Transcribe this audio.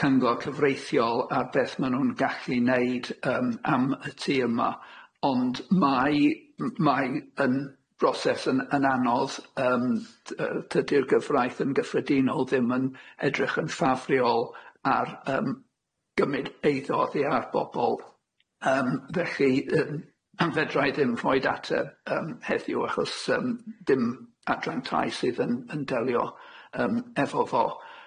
cyngor cyfreithiol ar beth ma' nw'n gallu neud yym am y tŷ yma ond mae m- mae yn broses yn yn anodd yym t- yy tydi'r gyfraith yn gyffredinol ddim yn edrych yn ffafriol ar yym gymyd eiddo oddi ar bobol yym felly yym am fedrai ddim rhoid ateb yym heddiw achos yym dim adran tai sydd yn yn delio yym efo fo.